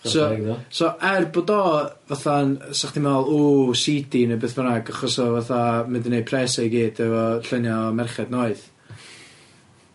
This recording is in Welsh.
So... Chware teg i fo. ...so, er bod o fatha'n, sa chdi'n meddwl, ww, seedy ne' beth bynnag, achos ma' o fatha mae 'di neud pres e i gyd efo llunia' o merched noeth